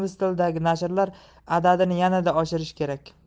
ingliz tilidagi nashrlar adadini yanada oshirish kerak